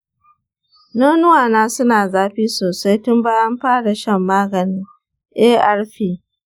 nonuwa na suna zafi sosai tun bayan fara shan maganin arv.